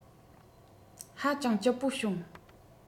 ཧ ཅང སྐྱིད པོ བྱུང